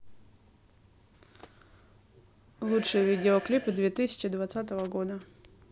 лучшие видеоклипы две тысячи двадцатого года